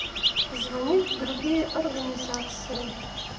звонить в другие организации